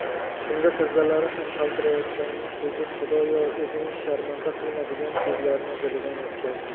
shunda tizzalari ham qaltirayotganini sezib xudoyo o'zing sharmanda qilma degan so'zlarni dilidan o'tkazdi